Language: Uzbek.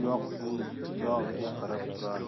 yoq bu yog'iga qarab turardi